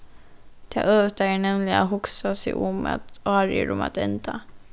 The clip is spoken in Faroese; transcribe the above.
tað øvuta er nevniliga at hugsa seg um at árið er um at enda